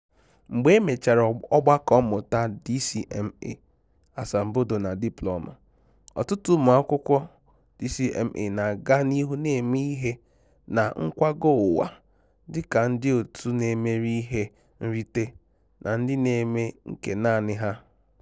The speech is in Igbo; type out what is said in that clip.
Mgbe emechara ọgbakọ mmụta DCMA, asambodo na dipulọma, ọtụtụ ụmụakwụkwọ DCMA na-aga n'ihu na-eme ihe na nkwago ụwa dịka ndị otu na-emeri ihe nrite na ndị na-eme nke naanị ha.